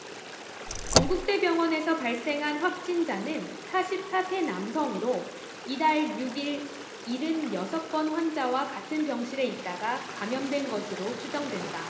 건국대병원에서 발생한 확진자는 사십 사 세 남성으로 이달 육 일 일흔 여섯 번 환자와 같은 병실에 있다가 감염된 것으로 추정된다